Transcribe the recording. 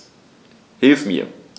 Hilf mir!